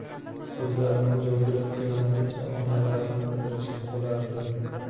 ko'zlarini jovdiratganlaricha onalarini qidirishib qolardi